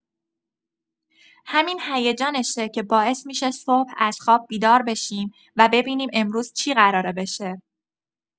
همین هیجانشه که باعث می‌شه صبح از خواب بیدار بشیم و ببینیم امروز چی قراره بشه.